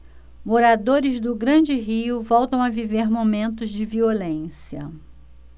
moradores do grande rio voltam a viver momentos de violência